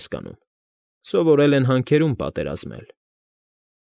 Հասկանում, սովորել են հանքերում պատերազմել։